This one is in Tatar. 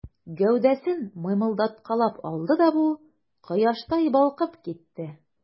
Гәүдәсен мыймылдаткалап алды да бу, кояштай балкып китте.